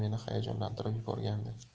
meni hayajonlantirib yuborgandi